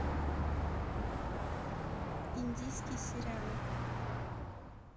индийский сериал